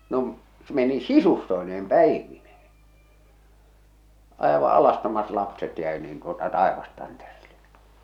no - meni sisustoineen päivineen aivan alastomat lapset jäi niin tuota taivastantereelle